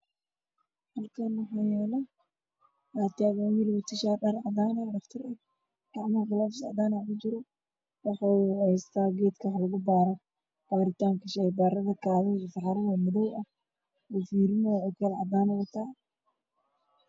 Waa nin dhakhtar oo qabo dhar caddaan ah oo gacanta ku hayo qalabka shaybaarka midabkiisa ay madow